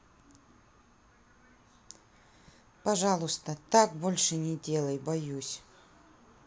пожалуйста так больше не делай боюсь